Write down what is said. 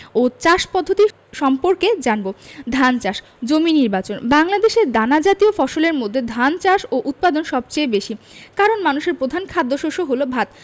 ও চাষ পদ্ধতি সম্পর্কে জানব ধান চাষ জমি নির্বাচনঃ বাংলাদেশে দানাজাতীয় ফসলের মধ্যে ধানের চাষ ও উৎপাদন সবচেয়ে বেশি কারন মানুষের প্রধান খাদ্যশস্য হলো ভাত